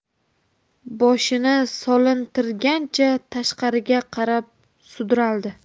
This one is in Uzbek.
boshini solintirgancha tashqariga qarab sudraldi